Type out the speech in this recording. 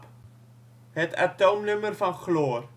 atoomnummer van chloor